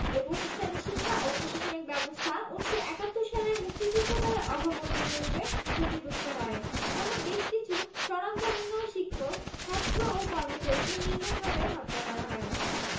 এ প্রতিষ্ঠানের শিক্ষা ও প্রশাসনিক ব্যবস্থা ১৯৭১ সালের মুক্তিযুদ্ধকালে অভাবনীয়রূপে ক্ষতিগ্রস্ত হয় তখন বেশ কিছু স্বনামধন্য শিক্ষক ছাত্র ও কর্মচারীকে নির্মমভাবে হত্যা করা হয়